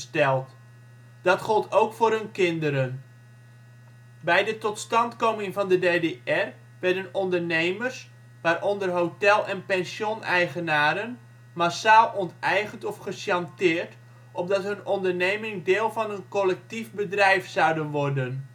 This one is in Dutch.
Dat gold ook voor hun kinderen. Bij de totstandkoming van de DDR werden ondernemers, waaronder hotel - en pensioneigenaren, masaal onteigend of gechanteerd opdat hun onderneming deel van een collectief bedrijf zouden worden